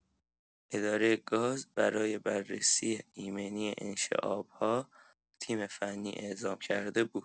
اداره گاز برای بررسی ایمنی انشعاب‌ها تیم فنی اعزام کرده بود.